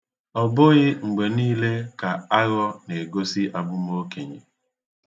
Ọ bụghi mgbe niile ka aghọ na-egosi abụmokenye